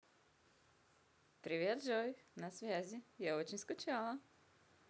привет джой на связи я очень скучала